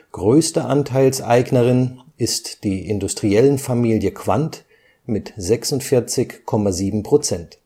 Größte Anteilseignerin ist die Industriellenfamilie Quandt mit 46,7 %